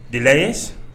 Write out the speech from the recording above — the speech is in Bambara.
De ye